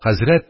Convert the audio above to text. Хәзрәт,